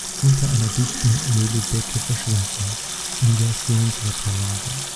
unter einer dichten Nebeldecke verschwinden (Inversionswetterlage